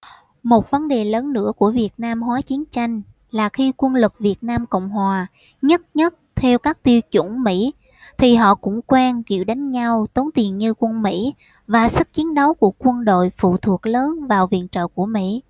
một vấn đề lớn nữa của việt nam hóa chiến tranh là khi quân lực việt nam cộng hòa nhất nhất theo các tiêu chuẩn mỹ thì họ cũng quen kiểu đánh nhau tốn tiền như quân mỹ và sức chiến đấu của quân đội phụ thuộc lớn vào viện trợ của mỹ